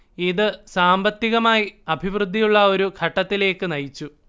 ഇത് സാമ്പത്തികമായി അഭിവൃദ്ധിയുള്ള ഒരുഘട്ടത്തിലേയ്ക്ക് നയിച്ചു